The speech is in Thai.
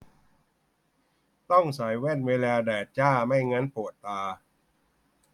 ต้องใส่แว่นเวลาแดดจ้าไม่งั้นปวดตา